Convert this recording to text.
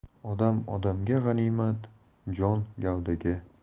odam odamga g'animat jon gavdaga